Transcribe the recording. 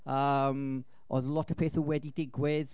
yym oedd lot o pethau wedi digwydd.